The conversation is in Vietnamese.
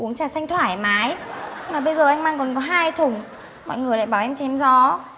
uống trà xanh thoải mái mà bây giờ anh mang còn có hai thùng mọi người lại bảo anh chém gió